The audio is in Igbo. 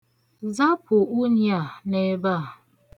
Zapụ unyi a n'ebe a.